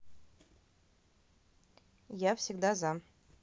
я всегда за